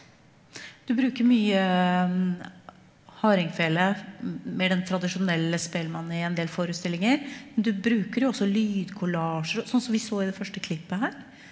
du bruker mye hardingfele mer den tradisjonelle spellmann i en del forestillinger, men du bruker jo også lydkollasjer og sånn som vi så i det første klippet her.